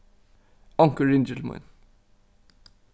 onkur ringir til mín